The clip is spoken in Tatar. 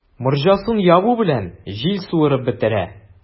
Морҗасын ябу белән, җил суырып бетерә.